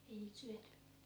ei niitä syöty